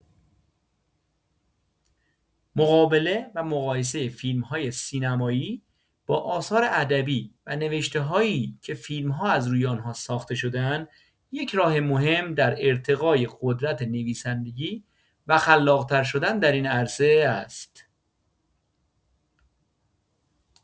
مقابله و مقایسۀ فیلم‌های سینمایی با آثار ادبی و نوشته‌هایی که فیلم‌ها از روی آن‌ها ساخته شده‌اند یک راه مهم در ارتقای قدرت نویسندگی و خلاق‌تر شدن در این عرصه است.